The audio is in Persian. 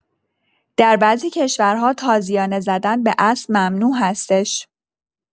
در بعضی کشورها تازیانه زدن به اسب ممنوع هستش!